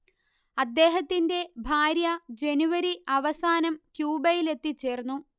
അദ്ദേഹത്തിന്റെ ഭാര്യ ജനുവരി അവസാനം ക്യൂബയിലെത്തിച്ചേർന്നു